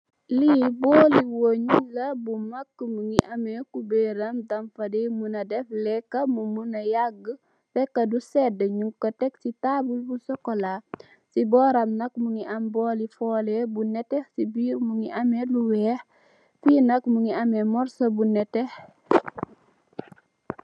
Li bóóli weñ la bu mak mugii ameh kuberr ram dan fa dee muna dèf lekka mu muna yagg fekka du sedd ñing ko tèk ci tabull bu sokola ci bóram nak mugii am bóóli foleh bu netteh ci biir mugii lu wèèx, fi nak mugii ameh morso bu netteh.